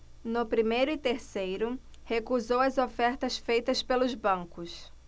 no primeiro e terceiro recusou as ofertas feitas pelos bancos